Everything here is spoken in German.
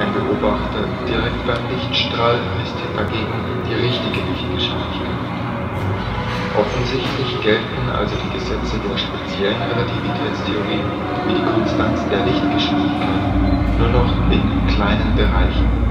Beobachter direkt beim Lichtstrahl misst dagegen die „ richtige “Lichtgeschwindigkeit. Offensichtlich gelten also die Gesetze der speziellen Relativitätstheorie, wie die Konstanz der Lichtgeschwindigkeit, nur noch in kleinen Bereichen